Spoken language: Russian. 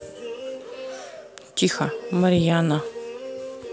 тихо марьяна